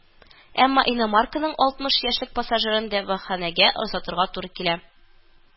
Әмма иномарканың алтмыш яшьлек пассажирын дәваханәгә озатырга туры килә